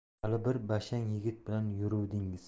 hali bir bashang yigit bilan yuruvdingiz